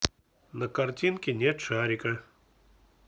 на картинке нет шарика